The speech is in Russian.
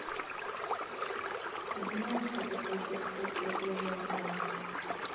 ты знаешь что такое tik tok я тоже ума